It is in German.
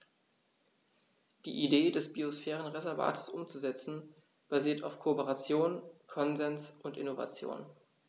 Die Idee des Biosphärenreservates umzusetzen, basiert auf Kooperation, Konsens und Innovation.